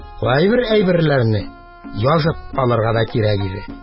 Кайбер әйберләрне язып алырга да кирәк иде.